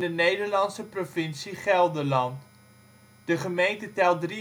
Nederlandse provincie Gelderland. De gemeente telt